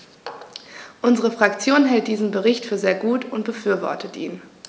Unsere Fraktion hält diesen Bericht für sehr gut und befürwortet ihn.